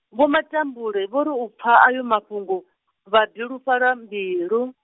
Vho Matambule vho ri u pfa ayo mafhungo, vha bilufhala mbilu.